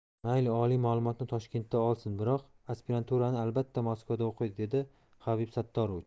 mayli oliy ma'lumotni toshkentda olsin biroq aspiranturani albatta moskvada o'qiydi dedi habib sattorovich